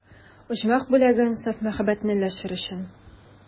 Оҗмах бүләген, саф мәхәббәтне өләшер өчен.